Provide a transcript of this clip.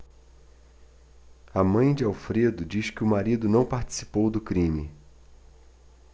a mãe de alfredo diz que o marido não participou do crime